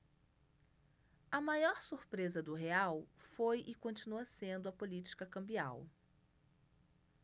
a maior surpresa do real foi e continua sendo a política cambial